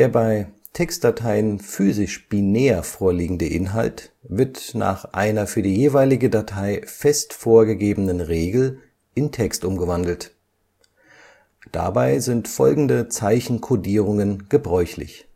bei Textdateien physisch binär vorliegende Inhalt wird nach einer für die jeweilige Datei fest vorgegebenen Regel in Text umgewandelt. Dabei sind folgende Zeichencodierungen gebräuchlich